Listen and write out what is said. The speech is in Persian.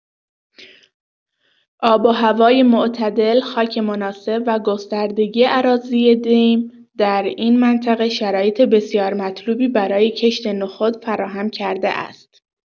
آب‌وهوای معتدل، خاک مناسب و گستردگی اراضی دیم در این منطقه شرایط بسیار مطلوبی برای کشت نخود فراهم کرده است.